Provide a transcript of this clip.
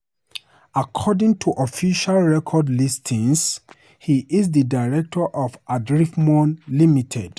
According to official record listings, he is the director of Adriftmorn Limited.